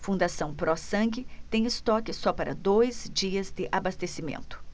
fundação pró sangue tem estoque só para dois dias de abastecimento